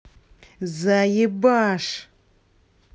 заебашь